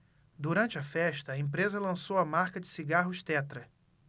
durante a festa a empresa lançou a marca de cigarros tetra